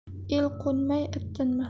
el qo'nmay it tinmas